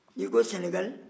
n'i ko sɛnɛgali